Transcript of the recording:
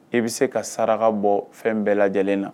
I bɛ se ka saraka bɔ fɛn bɛɛ lajɛlen na